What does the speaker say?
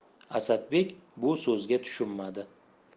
asadbek bu so'zga tushunmadi